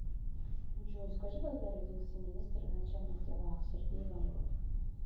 джой скажи когда родился министр в начальных делах сергей лавров